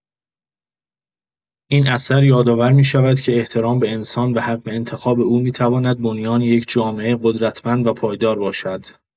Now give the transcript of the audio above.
این اثر یادآور می‌شود که احترام به انسان و حق انتخاب او می‌تواند بنیان یک جامعه قدرتمند و پایدار باشد.